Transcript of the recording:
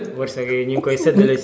wërsëg yi ñu ngi koy séddale